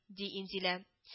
– ди инзилә